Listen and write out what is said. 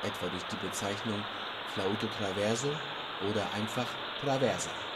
(etwa durch die Bezeichnung " Flauto traverso " oder einfach " Traversa